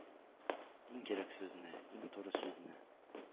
Иң кирәк сүзне, иң туры сүзне